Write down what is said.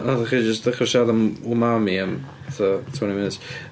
Wnaethoch chi jyst ddechrau siarad am umami am fatha twenty minutes.